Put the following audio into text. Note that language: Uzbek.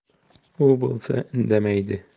u bo'lsa indamaydi